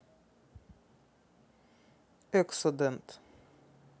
эксодент